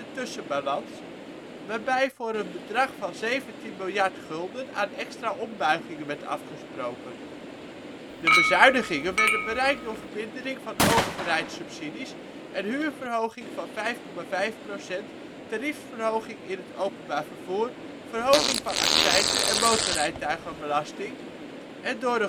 Tussenbalans "), waarbij voor een bedrag van 17 miljard gulden aan extra ombuigingen werd afgesproken. De bezuinigingen werden bereikt door vermindering van overheidssubsidies, een huurverhoging van 5,5 %, tariefsverhogingen in het openbaar vervoer, verhoging van accijnzen en motorrijtuigenbelasting en door